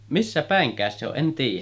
missä päinkään se on en tiedä